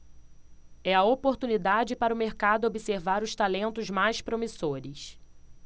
é a oportunidade para o mercado observar os talentos mais promissores